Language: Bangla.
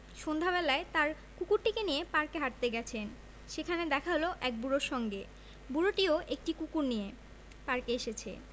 সন্ধ্যাবেলা তার কুকুরটিকে নিয়ে পার্কে হাঁটতে গেছেন সেখানে দেখা হল এক বুড়োর সঙ্গে বুড়োটিও একটি কুকুর নিয়ে পার্কে এসেছে